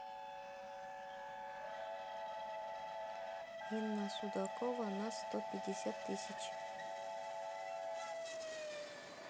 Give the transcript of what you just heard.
инна судакова нас сто пятьдесят тысяч